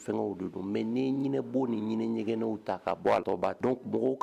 Fɛnkɛw de don mais ne ye ɲinɛ bow ni ɲinɛ ɲɛgɛw ta ka bɔ, a tɔ b'a donc mɔgɔw